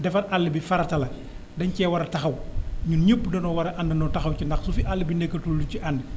defar àll bi farata la dañ cee war a taxaw ñun ñëpp danoo war a àndandoo taxaw ci ndax su fi àll bi nekkatul du ci ànd